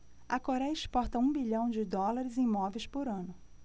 a coréia exporta um bilhão de dólares em móveis por ano